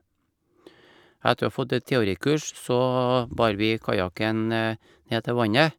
Etter å ha fått et teorikurs så bar vi kajaken ned til vannet.